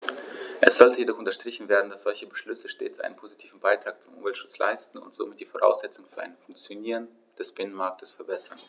Es sollte jedoch unterstrichen werden, dass solche Beschlüsse stets einen positiven Beitrag zum Umweltschutz leisten und somit die Voraussetzungen für ein Funktionieren des Binnenmarktes verbessern.